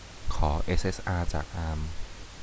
ขอเอสเอสอาจากอาม